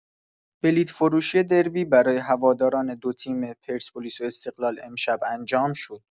بلیت‌فروشی دربی برای هواداران ۲ تیم پرسپولیس و استقلال امشب انجام شد.